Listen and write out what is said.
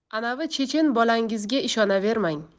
anavi chechen bolangizga ishonavermang